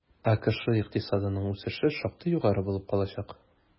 АКШ икътисадының үсеше шактый югары булып калачак.